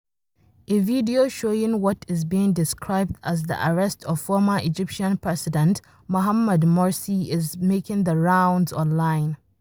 A video showing what is being described as the arrest of former Egyptian president Mohamed Morsi is making the rounds online.